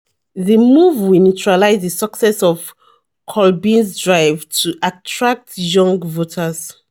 The move will neutralize the success of Corbyn's drive to attract young voters